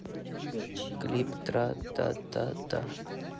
клип тра та та та